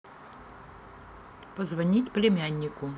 позвонить племяннику